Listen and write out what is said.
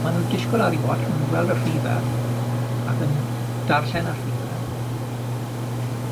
Ma' nw'n dishgwl ar 'u watsh, ma' nw'n gweld y rhife ag yn darllen y rhife,